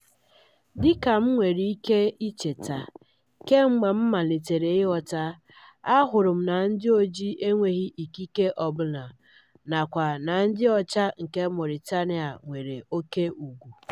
Dịka m nwere ike icheta, kemgbe m malitere ịghọta, ahụrụ m na ndị ojii enweghị ikike ọ bụla, nakwa na ndị ọcha nke Mauritania nwere ihe ugwu.